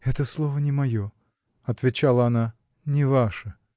-- Это слово не мое, -- отвечала она. -- Не ваше.